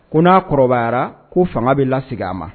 Ko n'a kɔrɔbayara ko fanga be laseg'a ma